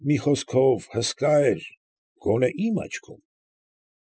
Մի խոսքով, հսկա էր, գոնե իմ աչքում։